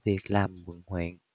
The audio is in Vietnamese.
việt làm quận huyện